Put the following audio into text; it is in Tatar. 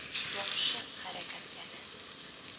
Яхшы хәрәкәтләнә